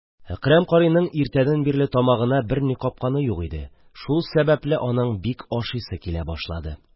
Әкрәм карыйның иртәдән бирле тамагына берни капканы юк иде, шул сәбәпле аның бик ашыйсы килә башлады.